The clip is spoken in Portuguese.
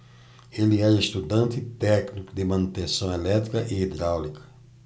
ele era estudante e técnico de manutenção elétrica e hidráulica